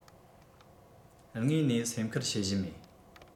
དངོས ནས སེམས ཁུར བྱེད བཞིན མེད